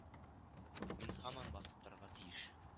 Мин һаман басып торырга тиеш